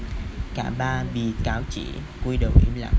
cả ba bị cáo chỉ cúi đầu im lặng